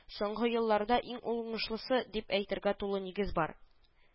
Соңгы елларда иң уңышлысы дип әйтергә тулы нигез бар